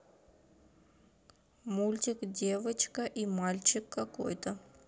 мультик девочка и мальчик какой то